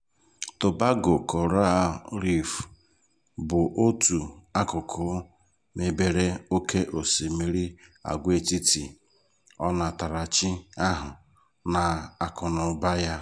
Tobago Coral Reef bụ otu akụkụ mebere oke osimiri agwaetiti ọnatarachi ahụ na akụnaụba ya.